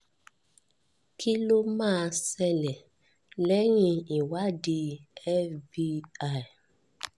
Kí ló máa ṣẹ̀lẹ lẹ́yìn ìwádìí FBI?